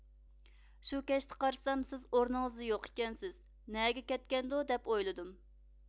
شۇ كەچتە قارىسام سىز ئورنىڭىزدا يوق ئىكەنسىز نەگ كەتكەندۇ دەپ ئويلىدىم